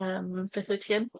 Yym, beth wyt ti yn?